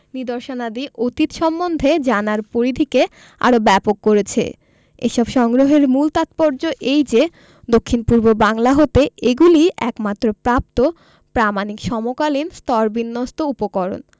নিদর্শনাদি অতীত সম্বন্ধে জানার পরিধিকে আরও ব্যাপক করেছে এসব সংগ্রহের মূল তাৎপর্য এই যে দক্ষিণ পূর্ব বাংলা হতে এগুলিই একমাত্র প্রাপ্ত প্রামাণিক সমকালীন স্তরবিন্যস্ত উপকরণ